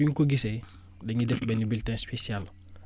su ñu ko gisee dañuy def benn bulletin spécial